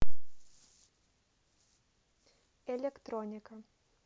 электроника